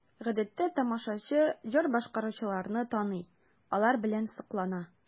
Гадәттә тамашачы җыр башкаручыларны таный, алар белән соклана.